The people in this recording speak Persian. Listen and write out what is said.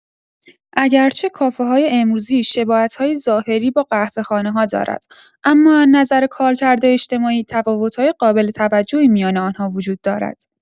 اگرچه کافه‌های امروزی شباهت‌هایی ظاهری با قهوه‌خانه‌ها دارند، اما از نظر کارکرد اجتماعی تفاوت‌های قابل توجهی میان آن‌ها وجود دارد.